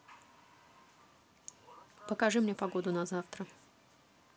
покажи мне погоду на завтра